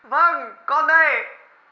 vâng con đây